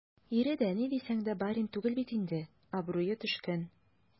Ире дә, ни дисәң дә, барин түгел бит инде - абруе төшкән.